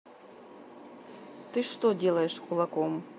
ты что делаешь кулаком